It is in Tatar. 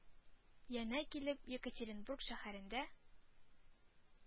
Янә килеп екатеринбург шәһәрендә